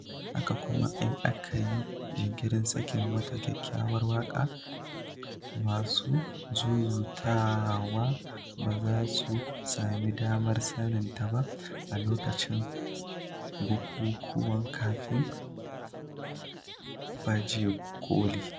Haka kuma, in aka yi jinkirin sakin wata kyakkyawar waƙa, masu zuzutawa ba za su sami damar sanin ta ba, a lokacin bukukuwan kafin baje-kolin.